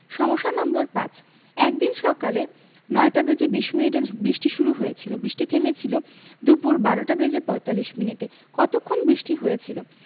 সমস্যা নম্বর ৫ একদিন সকালে ৯টা বেজে ২০ মিনিটে বৃষ্টি শুরু হয়েছিল বৃষ্টি থেমেছিল দুপুর ১২টা বেজে ৪৫ মিনিটে কতক্ষণ বৃষ্টি হয়েছিল